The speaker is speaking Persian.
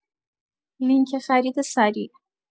لینک خرید سریع